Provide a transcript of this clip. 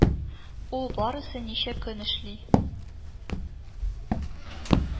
Ул барысы ничә көн эшли